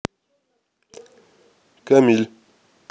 камиль